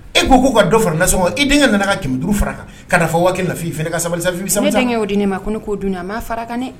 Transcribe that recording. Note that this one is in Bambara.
E ko k'u ka dɔ farasɔn e denkɛ nana ka ki duuru faga kan kana fɔ waati nafafin'i fɛ ne ka sabali sa y'o di ne ma ko ne k'o dun a ma fara kan dɛ